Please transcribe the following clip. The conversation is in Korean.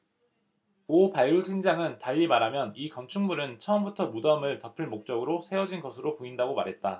오 발굴팀장은 달리 말하면 이 건축물은 처음부터 무덤을 덮을 목적으로 세워진 것으로 보인다고 말했다